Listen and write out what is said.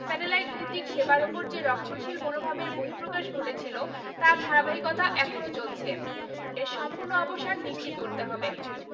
satellite ভিত্তিক সেবার ওপর যে রক্ষণশীল মনোভাবের বহিঃপ্রকাশ ঘটেছিল তার ধারাবাহিকতা এখনো চলছে এর সম্পূর্ণ অবসান নিশ্চিত করতে হবে